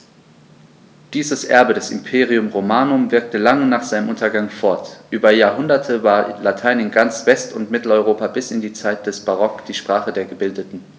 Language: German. Dieses Erbe des Imperium Romanum wirkte lange nach seinem Untergang fort: Über Jahrhunderte war Latein in ganz West- und Mitteleuropa bis in die Zeit des Barock die Sprache der Gebildeten.